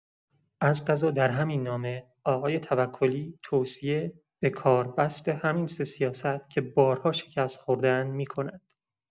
از قضا در همین نامه، آقای توکلی توصیه به کاربست همین سه سیاست که بارها شکست خورده‌اند می‌کند.